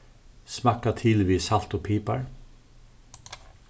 smakka til við salt og pipar